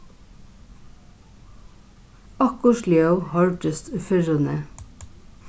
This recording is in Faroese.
okkurt ljóð hoyrdist í firruni